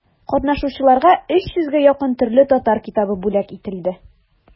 Катнашучыларга өч йөзгә якын төрле татар китабы бүләк ителде.